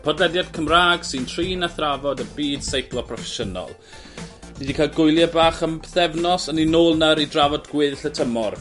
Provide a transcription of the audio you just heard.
podlediad Cymra'g sy'n trin a thrafod y byd seiclo proffesiynol. Ni 'di ca'l gwylie bach am pythefnos on' ni nôl nawr i drafod gweddill y tymor.